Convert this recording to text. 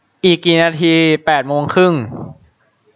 อีกกี่นาทีแปดโมงครึ่ง